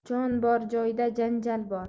jon bor joyda janjal bor